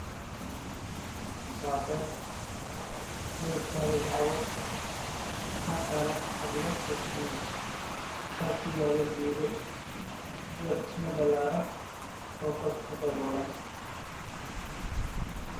Waa beer shah lagu cabo waxaa ku yaalo geedo